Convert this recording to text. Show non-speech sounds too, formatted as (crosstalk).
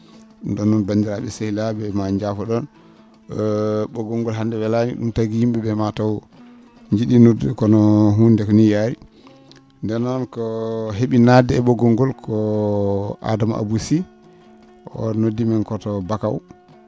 den noon banndiraa?e sehilaa?e maa njaafo?on (hesitation) ?oggol ngol hannde welaani ?um tagi yim?e ?ee mataw nji?i noddude kono huunde ko nii yaari nden noon ko he?i nadde e ?oggol ngol ko Adama Abou Sy on noddimen koto Bakaw